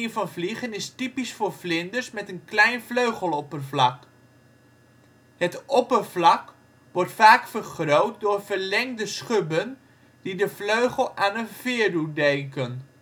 van vliegen is typisch voor vlinders met een klein vleugeloppervlak. Het oppervlak wordt vaak vergroot door verlengde schubben die de vleugel aan een veer doet denken